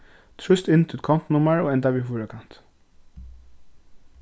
trýst inn títt kontunummar og enda við fýrakanti